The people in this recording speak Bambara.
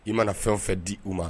I mana fɛnw fɛ di u ma